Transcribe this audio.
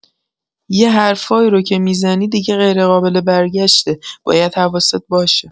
یه حرفایی رو که می‌زنی دیگه غیرقابل‌برگشته؛ باید حواست باشه.